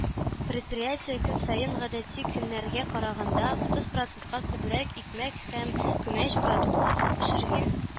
Предприятие көн саен, гадәти көннәргә караганда, утыз процентка күбрәк икмәк һәм күмәч продукциясен пешергән.